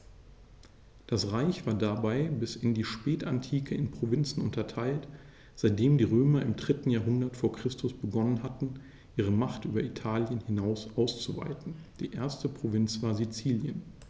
Das Reich war dabei bis in die Spätantike in Provinzen unterteilt, seitdem die Römer im 3. Jahrhundert vor Christus begonnen hatten, ihre Macht über Italien hinaus auszuweiten (die erste Provinz war Sizilien).